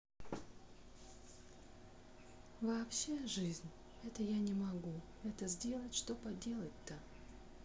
вообще жизнь это я не могу это сделать что поделать то